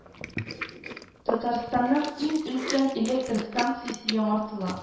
Татарстанның иң өлкән электр станциясе яңартыла